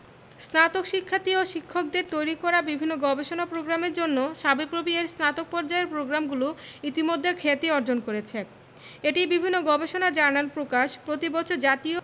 স্নাতক শিক্ষার্থী এবং শিক্ষকদের তৈরি করা বিভিন্ন গবেষণা প্রোগ্রামের জন্য সাবিপ্রবি এর স্নাতক পর্যায়ের প্রগ্রামগুলি ইতোমধ্যে খ্যাতি অর্জন করেছে এটি বিভিন্ন গবেষণা জার্নাল প্রকাশ প্রতি বছর জাতীয়